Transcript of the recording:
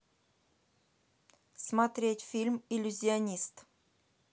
смотреть фильм иллюзионист